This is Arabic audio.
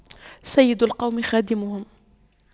سيد القوم خادمهم